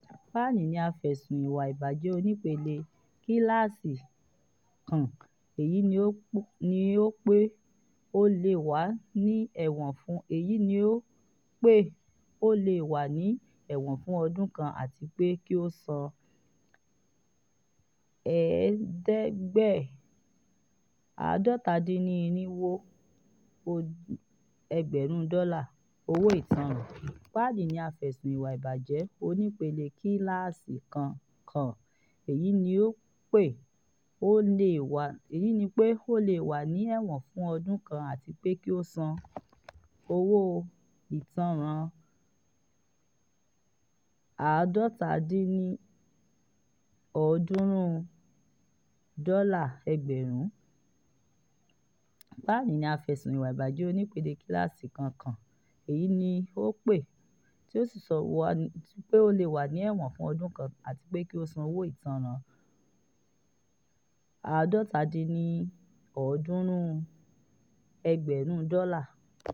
Palin ni a fẹsùn ìwà ìbàjẹ́ onípele Kíláàsì A kàn, èyí ni pé ó lè wà ní ẹ̀wọ̀n fún ọdún kan àti pé kí ó san $250,000 owó ìtánràn